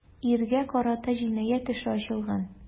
Иргә карата җинаять эше ачылган.